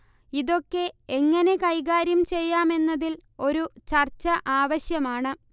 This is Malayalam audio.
ഇതൊക്കെ എങ്ങനെ കൈകാര്യം ചെയ്യാമെന്നതിൽ ഒരു ചർച്ച ആവശ്യമാണ്